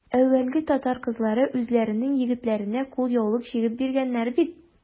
Әүвәле татар кызлары үзләренең егетләренә кулъяулык чигеп биргәннәр бит.